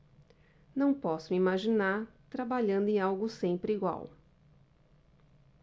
não posso me imaginar trabalhando em algo sempre igual